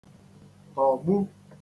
-tọ̀gbu